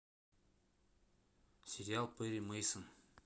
сериал перри мейсон